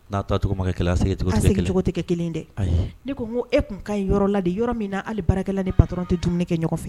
N'acogokɛ kelencogocogo tɛ kɛ kelen dɛ ne ko ko e tun ka ɲi yɔrɔ la de yɔrɔ min na hali barakɛla ni pa dɔrɔn tɛ dumuni kɛ ɲɔgɔn fɛ